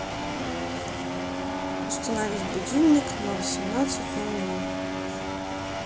установить будильник на восемнадцать ноль ноль